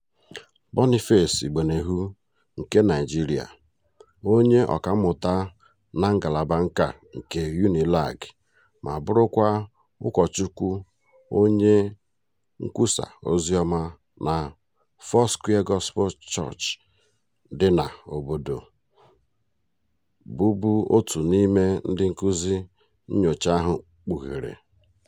Boniface Igbeneghu nke Naịjirịa, onye ọkammụta na ngalaba nkà nke UNILAG ma bụrụkwa ụkọchukwu onye nkwusa oziọma na Foursquare Gospel Church dị n'obodo, bụbu otu n'ime ndị nkuzị nnyocha ahụ kpughere.